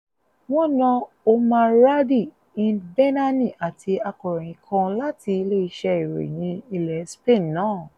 Wọ́n na Omar Radi, Hind Bennani, àti akọ̀ròyìn kan láti ilé-iṣẹ́ ìròyìn ilẹ̀ Spain náà.